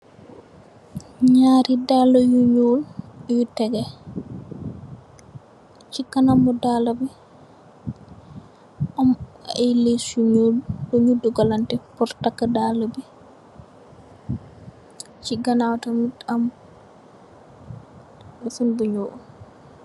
Naari daala yu nuul yu tege si kanam daal bi am ay lece yu nuul yu nyu dogalante purr taka daala bi bi ganaw tam am lifen bu nuul.